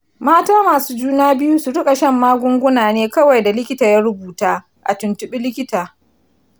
mata masu juna biyu su rika shan magunguna ne kawai da likita ya rubuta, a tuntubi likita